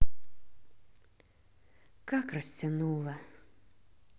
как растянуло